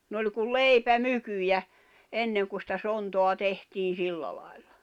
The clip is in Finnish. ne oli kuin leipämykyjä ennen kun sitä sontaa tehtiin sillä lailla